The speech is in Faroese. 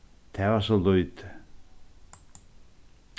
tað var so lítið